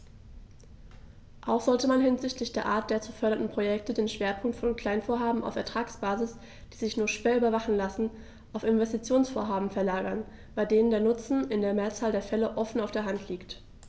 Auch sollte man hinsichtlich der Art der zu fördernden Projekte den Schwerpunkt von Kleinvorhaben auf Ertragsbasis, die sich nur schwer überwachen lassen, auf Investitionsvorhaben verlagern, bei denen der Nutzen in der Mehrzahl der Fälle offen auf der Hand liegt.